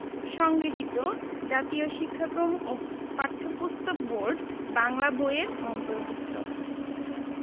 সংগৃহীত জাতীয় শিক্ষাক্রম ও পাঠ্যপুস্তক বোর্ড বাংলা বই এর অন্তর্ভুক্ত